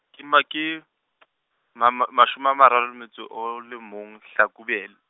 ke ma ke , ma ma, mashome a mararo le motso o le mong, Hlakubele.